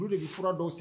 Olu de bɛ fura dɔw sen